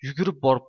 yugurib borib